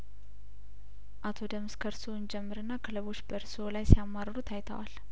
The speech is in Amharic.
አቶ ደምስ ከእርስዎ እንጀምርና ክለቦች በእርስዎ ላይ ሲያማርሩ ታይተዋል